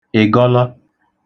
ị̀gọlọ